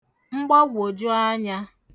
mgbagwòju anyā